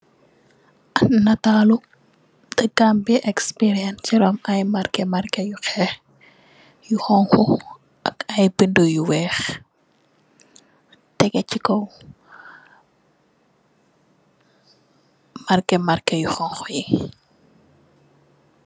Ahb naatalu pehtan bii experience cii ron aiiy marrkeh marrkeh yu khehhhk, yu honhu, ak aiiy bindue yu wekh, tehgeh chi kaw, marrkeh marrkeh yu honhu yii.